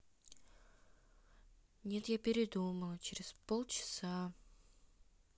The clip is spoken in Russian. нет я передумала через полчаса